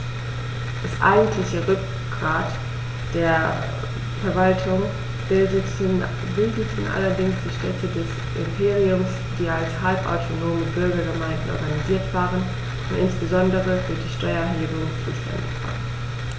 Das eigentliche Rückgrat der Verwaltung bildeten allerdings die Städte des Imperiums, die als halbautonome Bürgergemeinden organisiert waren und insbesondere für die Steuererhebung zuständig waren.